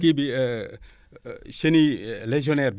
kii bi chenille légionnaire bi